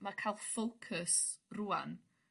ma'r cal focus rŵan